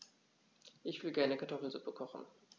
Ich will gerne Kartoffelsuppe kochen.